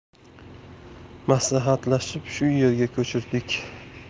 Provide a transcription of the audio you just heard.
maslahatlashib shu yerga ko'chirdik